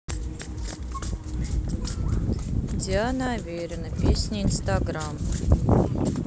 диана аверина песня instagram